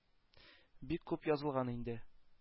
Бик күп язылган инде.